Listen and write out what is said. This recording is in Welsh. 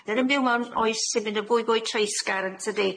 Deni'n byw mewn oes sy'n mynd yn fwy fwy treisgar yn tydi?